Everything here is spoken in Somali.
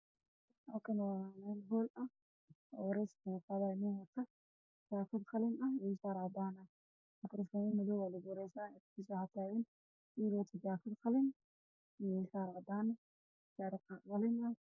Waa nin suud cadaan ah wato makaroofan madow